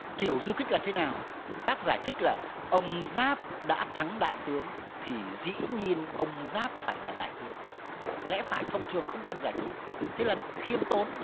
kiểu du kích là thế nào bác giải thích là ông giáp đã thắng đại tướng thì dĩ nhiên ông giáp phải là đại tướng lẽ phải thông thường không cần giải thích thế là khiêm tốn